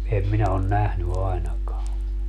en minä ole nähnyt ainakaan